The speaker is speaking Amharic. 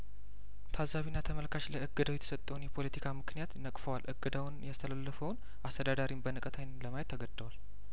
ታዛቢና ተመልካች ለእገዳው የተሰጠውን የፖለቲካ ምክንያት ነቅፈዋል እገዳውን ያስተላለፈውን አስተዳዳሪም በንቀት አይን ለማየት ተገደዋል